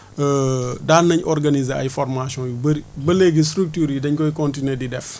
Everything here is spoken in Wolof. daan nañ organiser ay formations yu bëri ba léegi structures yi dañ koy continuer di def